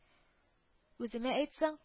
– үземә әйт соң